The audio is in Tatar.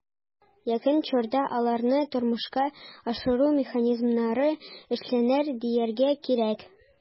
Якын чорда аларны тормышка ашыру механизмнары эшләнер, дияргә кирәк.